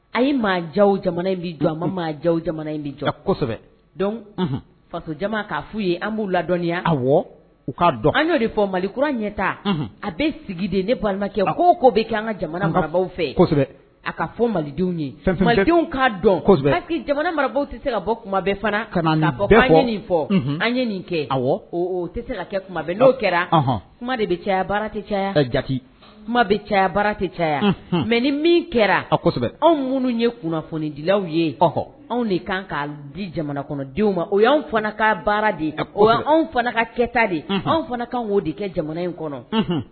A ye maa ja jamana in jɔ a ma jamana in bɛ jɔ faso k' fɔ u ye an b'u ladɔniya a u ka dɔn an' de fɔ mali kura ɲɛta a bɛ sigi de ne balimakɛ k''o bɛ kɛ an ka jamana mara fɛ a ka fɔ malidenwdenw ka dɔn jamana mara tɛ se ka bɔ kumabɛ fana ka nin fɔ an ye nin kɛ tɛ se ka kɛ kumabɛ n'o kɛra kuma de bɛ caya baara tɛ caya ka jaki kuma bɛ caya baara tɛ caya mɛ ni min kɛra anw minnu ye kunnafonidilaw yeɔ anw de kan k'a di jamana kɔnɔdenw ma o y' fana ka baara de ye o anw fana ka kɛta de anw fana ka'o de kɛ jamana in kɔnɔ